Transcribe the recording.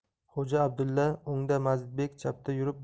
xo'ja abdulla o'ngda mazidbek chapda yurib